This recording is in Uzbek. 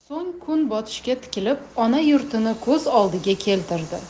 so'ng kun botishga tikilib ona yurtini ko'z oldiga keltirdi